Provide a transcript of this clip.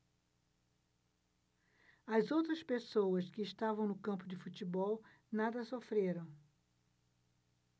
as outras pessoas que estavam no campo de futebol nada sofreram